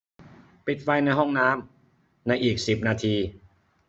ปิดไฟในห้องน้ำในอีกสิบนาที